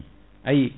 ayi